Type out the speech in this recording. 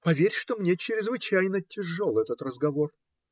Поверь, что мне чрезвычайно тяжел этот разговор.